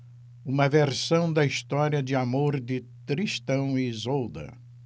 uma versão da história de amor de tristão e isolda